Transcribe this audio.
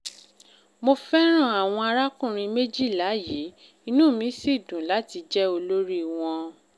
Mo fẹ́ran àwọn arákùnrin méjìlá yìí inú mi sì dùn láti jẹ́ olórí wọn.